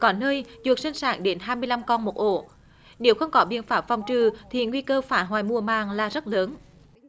có nơi chuột sinh sản đến hai mươi lăm con một ổ nếu không có biện pháp phòng trừ thì nguy cơ phá hoại mùa màng là rất lớn